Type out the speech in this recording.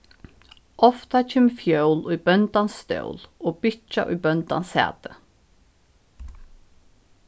ofta kemur fjól í bóndans stól og bikkja í bóndans sæti